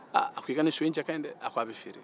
aaa a ko e ka nin so in cɛkaɲi dɛ a k'a bɛ feere